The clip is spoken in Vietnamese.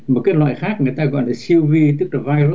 một cái loại khác người ta gọi là siêu vi tức là vai rớt